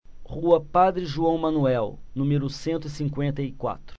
rua padre joão manuel número cento e cinquenta e quatro